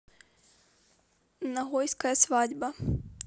нагойская свадьба